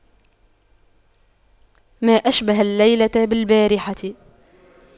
ما أشبه الليلة بالبارحة